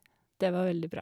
Det var veldig bra.